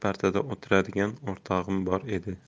partada o'tiradigan o'rtog'im bor edi